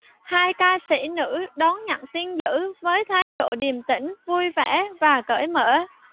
hai ca sỹ nữ đón nhận tin dữ với thái độ điềm tĩnh vui vẻ và cởi mở